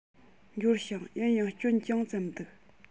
འབྱོར བྱུང ཡིན ཡང སྐྱོན ཅུང ཙམ འདུག